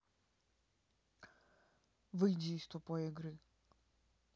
выйди из тупой игры